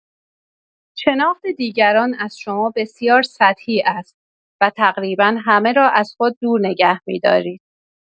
شناخت دیگران از شما بسیار سطحی است و تقریبا همه را از خود دور نگه می‌دارید.